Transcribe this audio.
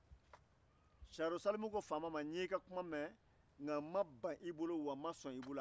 siyanro salimu ko faama ma n y'i ka kuma mɛn n ma ban i bolo n ma sɔn i bolo